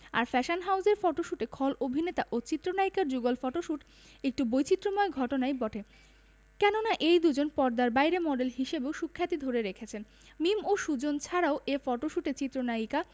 আর fashion হাউজের ফটোশুটে খল অভিনেতা ও চিত্রনায়িকার যুগল ফটোশুট একটু বৈচিত্রময় ঘটনাই বটে কেননা এই দুইজন পর্দার বাইরে মডেল হিসেবেও সুখ্যাতি ধরে রেখেছেন মিম ও সুজন ছাড়াও ছাড়াও এ ফটোশ্যুটে চিত্রনায়িকা